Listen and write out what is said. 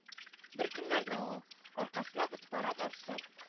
Беркөннәрне ул, аркасына фотоаппарат асып